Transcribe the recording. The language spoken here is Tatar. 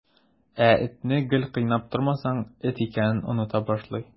Ә этне гел кыйнап тормасаң, эт икәнен оныта башлый.